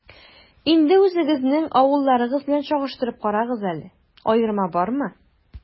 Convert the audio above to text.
Инде үзегезнең авылларыгыз белән чагыштырып карагыз әле, аерма бармы?